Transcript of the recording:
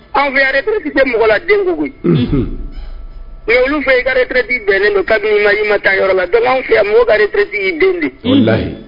Anw fɛyareereti tɛ mɔgɔ la denbugu u ye olu fɛ i garirepereti bɛnnen don ka nahi ma taa yɔrɔ la an f fɛyarepreti den di la